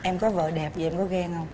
em có vợ đẹp vậy em có ghen hông